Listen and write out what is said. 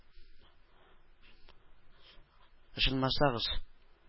Ышанмасагыз